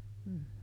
mm